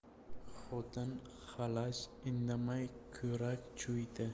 xotin xalaj indamay ko'rak chuviydi